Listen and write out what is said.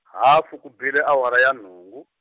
hafu ku bile awara ya nhungu.